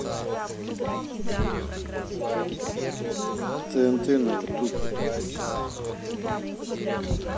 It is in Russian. тнт на ютуб